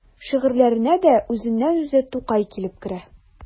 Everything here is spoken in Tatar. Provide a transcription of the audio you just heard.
Шигырьләренә дә үзеннән-үзе Тукай килеп керә.